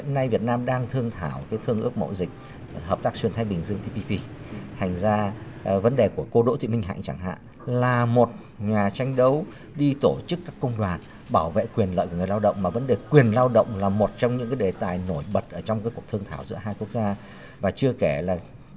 hiện nay việt nam đang thương thảo cái thương ước mậu dịch hợp tác xuyên thái bình dương ti pi pi thành ra vấn đề của cô đỗ thị minh hạnh chẳng hạn là một nhà tranh đấu đi tổ chức các công đoàn bảo vệ quyền lợi của người lao động mà vẫn được quyền lao động là một trong những cái đề tài nổi bật ở trong cái cuộc thương thảo giữa hai quốc gia và chưa kể là